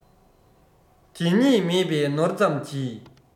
དེ གཉིས མེད པའི ནོར ཙམ གྱིས